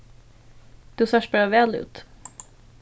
tú sært bara væl út